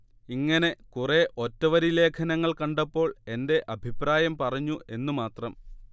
ഇങ്ങനെ കുറെ ഒറ്റവരി ലേഖനങ്ങൾ കണ്ടപ്പോൾ എന്റെ അഭിപ്രായം പറഞ്ഞു എന്നു മാത്രം